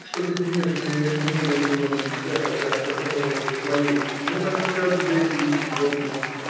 Что-то нежное мелькнуло у него на лице, когда я протянула ему свою, но тотчас же и исчезло.